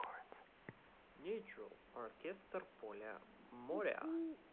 оркестр поля мориа